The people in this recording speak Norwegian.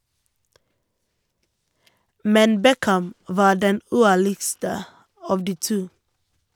Men Beckham var den uærligste av de to.